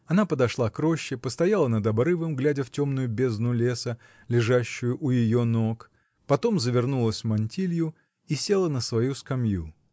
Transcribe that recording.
Она подошла к роще, постояла над обрывом, глядя в темную бездну леса, лежащую у ее ног, потом завернулась в мантилью и села на свою скамью.